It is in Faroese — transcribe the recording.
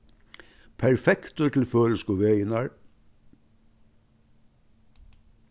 perfektur til føroysku vegirnar